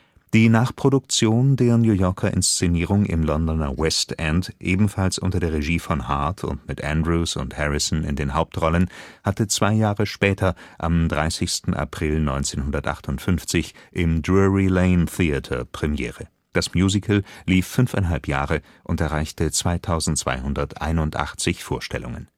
Die Nachproduktion der New Yorker Inszenierung im Londoner West End, ebenfalls unter der Regie von Hart und mit Andrews und Harrison in den Hauptrollen, hatte zwei Jahre später, am 30. April 1958, im Drury Lane Theatre Premiere. Das Musical lief fünfeinhalb Jahre und erreichte 2.281 Vorstellungen